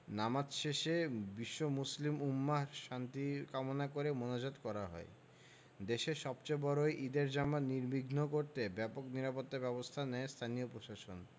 নামাজ শেষে বিশ্ব মুসলিম উম্মাহর শান্তি কামনা করে মোনাজাত করা হয় দেশের সবচেয়ে বড় এই ঈদের জামাত নির্বিঘ্ন করতে ব্যাপক নিরাপত্তাব্যবস্থা নেয় স্থানীয় প্রশাসন